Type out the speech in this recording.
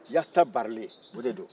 yatabarilen o de don